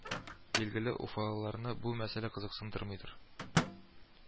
Билгеле, уфалыларны бу мәсьәлә кызыксындырмыйдыр